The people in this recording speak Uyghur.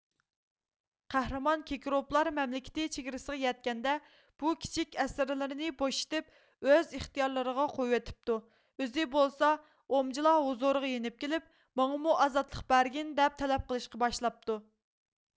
قەھرىمان كېكروپلار مەملىكىتى چېگرىسىغا يەتكەندە بۇ كىچىك ئەسىرلىرىنى بوشىتىپ ئۆز ئىختىيارلىرىغا قويۇۋېتىپتۇ ئۆزى بولسا ئومجلا ھۇزۇرىغا يېنىپ كېلىپ ماڭىمۇ ئازادلىق بەرگىن دەپ تەلەپ قىلىشقا باشلاپتۇ